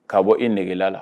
Ka bɔ e nɛgɛgela la